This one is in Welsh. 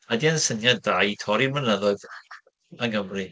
Ydy e'n syniad da i torri mynyddoedd yng Nghymru?